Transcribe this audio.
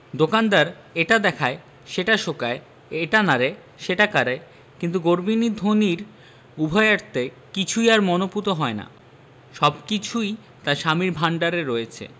দোকানদার এটা দেখায় সেটা শোঁকায় এটা নাড়ে সেটা কাড়ে কিন্তু গরবিনী ধনীর উভয়ার্থে কিছুই আর মনঃপূত হয় না সবকিছুই তার স্বামীর ভাণ্ডারে রয়েছে